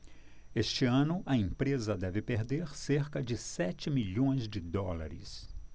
este ano a empresa deve perder cerca de sete milhões de dólares